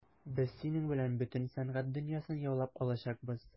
Без синең белән бөтен сәнгать дөньясын яулап алачакбыз.